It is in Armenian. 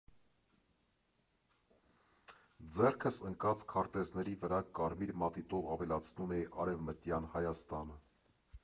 Ձեռքս ընկած քարտեզների վրա կարմիր մատիտով ավելացնում էի Արևմտյան Հայաստանը։